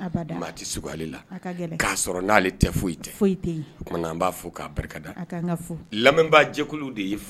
'a b'a fɔ barikajɛ de